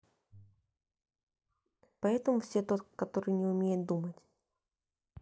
поэтому все тот который не умеет думать